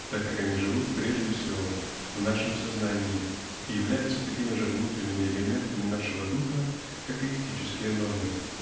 так как они живут прежде всего в нашем сознании и являются такими же внутренними элементами нашего духа как и этические нормы.